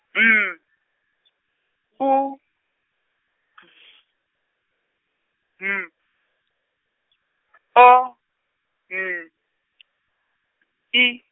M, U, V, M, O, N, I.